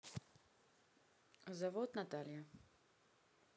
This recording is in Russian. завод наталья